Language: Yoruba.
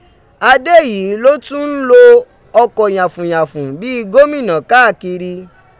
Ade yii lo tun n lo ọkọ yafunyafun bii gomina kaakiri.